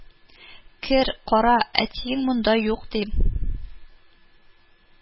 Кер, кара, әтиең монда юк, дим